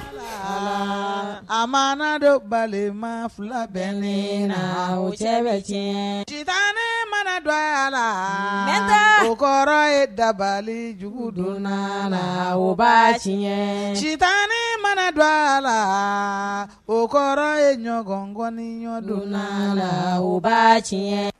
Saba a madenw bali ma fila bɛ ne na cɛ bɛ tiɲɛ si mana don a la nka o kɔrɔ ye dabali jugu don a la u ba tiɲɛ sita mana don a la o kɔrɔ ye ɲɔgɔnkɔni ɲɔgɔn don la ba tiɲɛ